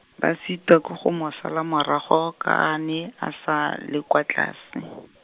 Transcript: ba sitwa ke go mo sala morago ka a ne a sa le kwa tlase.